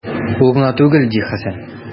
Ул гына түгел, - ди Хәсән.